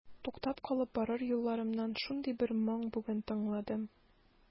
Туктап калып барыр юлларымнан шундый бер моң бүген тыңладым.